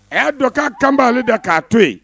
A y'a don k'a kan b'ale da k'a to yen